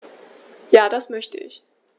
Ja, das möchte ich.